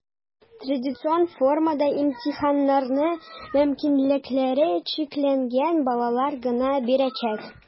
Традицион формада имтиханнарны мөмкинлекләре чикләнгән балалар гына бирәчәк.